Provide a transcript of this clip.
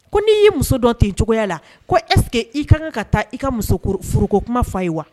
Ko n'i y'i muso dɔ ten cogoya la ko esseke i ka kan ka taa i ka muso furuko kuma fa ye wa